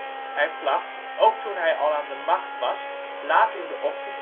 toen hij al aan de macht was, laat in de ochtend